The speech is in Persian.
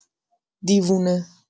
دیونه.